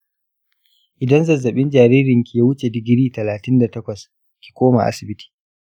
idan zazzabin jaririnki ya wuce digiri talatin da takwas, ki koma asibiti.